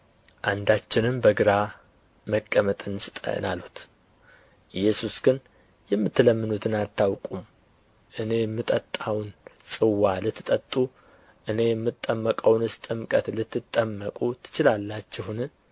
አንዳችንም በግራህ መቀመጥን ስጠን አሉት ኢየሱስ ግን የምትለምኑትን አታውቁም እኔ የምጠጣውን ጽዋ ልትጠጡ እኔ የምጠመቀውንስ ጥምቀት ልትጠመቁ ትችላላችሁን